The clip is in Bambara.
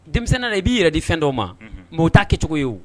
Denmisɛnnin yala i b'i yɛrɛ di fɛn dɔ ma, unhun, mais o ta kɛcogo wo.